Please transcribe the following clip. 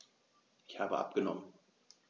Ich habe abgenommen.